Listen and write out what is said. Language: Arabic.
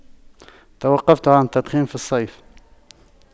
توقفت عن التدخين في الصيف